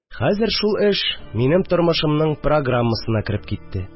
Хәзер шул эш минем тормышымның программасына кереп китте